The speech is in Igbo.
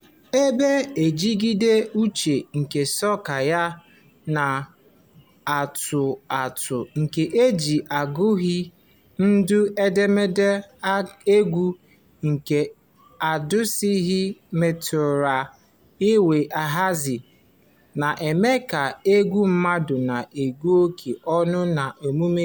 Ebe njigide uche nke sọka ya na-atọ ụtọ, nke e ji ngụgharị ụdị edemede egwu nke dansịhọọlụ metụtara wee hazie, na-eme ka igwe mmadụ na-enwe oké ọṅụ na mmemme Kanịva.